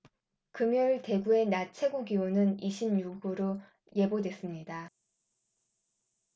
금요일 대구의 낮 최고기온은 이십 육 로 예보됐습니다